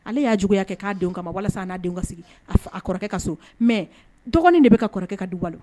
Ale y'a juguyaya kɛ k'a don kama ma walasa n'a sigi a kɔrɔkɛ ka so mɛ dɔgɔnin de bɛ ka kɔrɔkɛ ka du